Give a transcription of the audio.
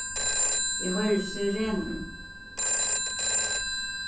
eg hoyri sirenur